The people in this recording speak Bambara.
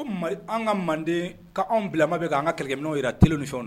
Ko an ka manden ko anw bilaman bi kan ka kɛlɛkɛmininw yire télés ni fɛnw